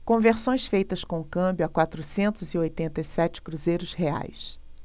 conversões feitas com câmbio a quatrocentos e oitenta e sete cruzeiros reais